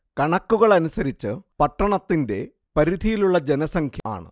കണക്കുകളനുസരിച്ച് പട്ടണത്തിൻറെ പരിധിയിലുള്ള ജനസംഖ്യ